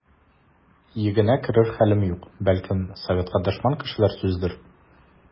Йөгенә керер хәлем юк, бәлкем, советка дошман кешеләр сүзедер.